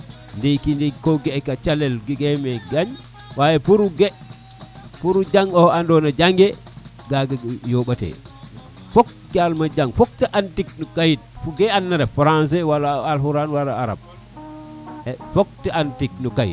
ndiki ko ga a calel jega meke gañ waye pour o ga pour o jang oxe ando na ye jange wa kaga yombate fok dal te jang fok te an tig no kayit ku te ana ref Francais wala alxuran wala arabe e fok te an tig no kayit